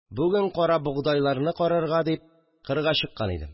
Бүген карабогдайларны карарга дип кырга чыккан идем